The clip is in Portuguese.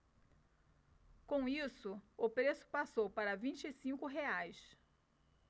com isso o preço passou para vinte e cinco reais